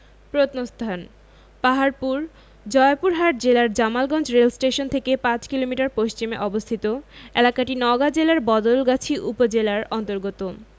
প্রত্নস্থানঃ পাহাড়পুর জয়পুরহাট জেলার জামালগঞ্জ রেলস্টেশন থেকে ৫ কিলোমিটার পশ্চিমে অবস্থিত এলাকাটি নওগাঁ জেলার বদলগাছি উপজেলার অন্তর্গত